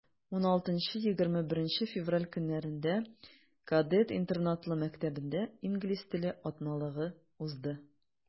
16-21 февраль көннәрендә кадет интернатлы мәктәбендә инглиз теле атналыгы узды.